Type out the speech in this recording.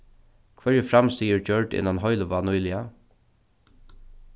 hvørji framstig eru gjørd innan heilivág nýliga